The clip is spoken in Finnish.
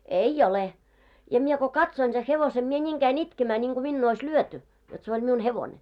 ei ole ja minä kun katsoin sen hevosen minä niin kävin itkemään niin kuin minua olisi lyöty jotta se oli minun hevonen